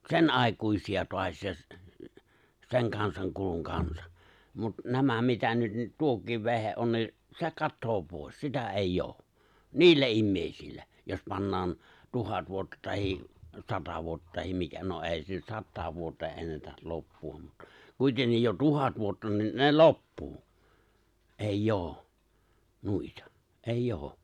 senaikuisia taas ja sen kansan kulun kanssa mutta nämä mitä nyt - tuokin vehje on niin se katoaa pois sitä ei ole niillä ihmisillä jos pannaan tuhat vuotta tai sata vuotta tai mikä no ei se nyt sataan vuoteen ennätä loppua mutta kuitenkin jo tuhat vuotta niin ne loppuu ei ole noita ei ole